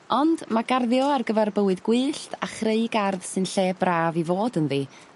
Ond ma' garddio ar gyfar bywyd gwyllt a chreu gardd sy'n lle braf i fod ynddi